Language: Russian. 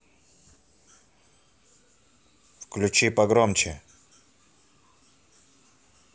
включи погромче